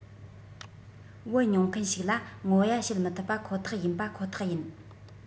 བུ མྱོང མཁན ཞིག ལ ངོ ཡ བྱེད མི ཐུབ པ ཁོ ཐག ཡིན པ ཁོ ཐག ཡིན